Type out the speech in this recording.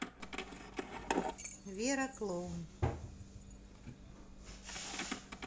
вера клоун